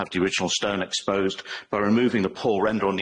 have the original stone exposed by removing the poor render on